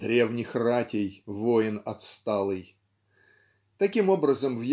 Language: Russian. "древних ратей воин отсталый". Таким образом